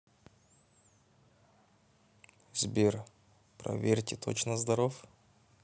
сбер проверьте точно здоров